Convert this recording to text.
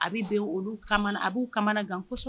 A bɛ olu a bɛ kamana